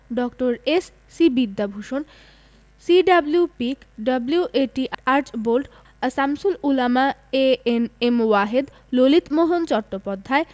ড. S C. Vidyabhushan C W. Peake W A T. Archbold Shamsul Ulama A N M Wahed Lalitmohan Chattopadhyay